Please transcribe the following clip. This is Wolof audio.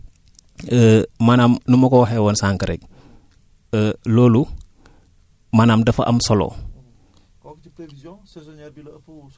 waaw jërëjëf choix des variétés maanaam nu ma ko waxee woon sànq rekk loolu maanaam dafa am solo